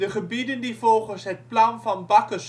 gebieden die volgens het plan van Bakker